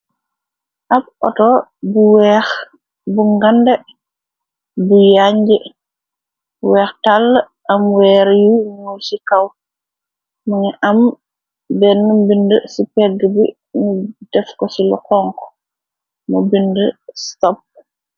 ab auto bu weex bu ngande bi yañj weex tall am weer yu nul ci kaw ma ngi am denn mbind ci pegg bi nu def ko ci lu konk mu bind stop